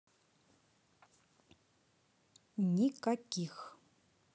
никаких